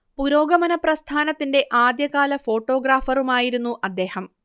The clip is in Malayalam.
പുരോഗമന പ്രസ്ഥാനത്തിന്റെ ആദ്യകാല ഫോട്ടോഗ്രാഫറുമായിരുന്നു അദ്ദേഹം